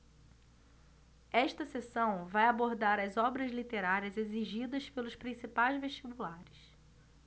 esta seção vai abordar as obras literárias exigidas pelos principais vestibulares